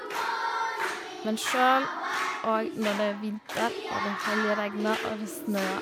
Men sjøl òg når det er vinter, og det høljregner, og det snør.